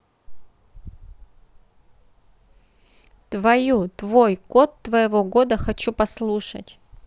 твою твой код твоего года хочу послушать